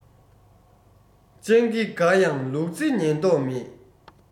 སྤྱང ཀི དགའ ཡང ལུག རྫི ཉན མདོག མེད